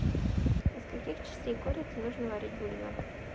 из каких частей курицы нужно варить бульон